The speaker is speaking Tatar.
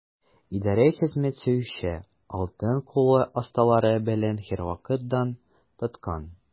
Идарә хезмәт сөюче, алтын куллы осталары белән һәрвакыт дан тоткан.